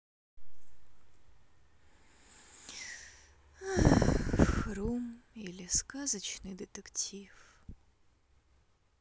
хрум или сказочный детектив